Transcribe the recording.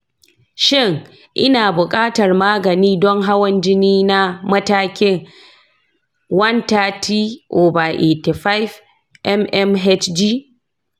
shin, ina buƙatar magani don hawan jini na matakin 130/85 mmhg?